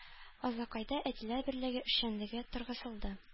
Азнакайда әтиләр берлеге эшчәнлеге торгызылды.